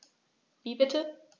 Wie bitte?